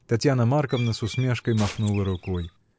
Татьяна Марковна с усмешкой махнула рукой.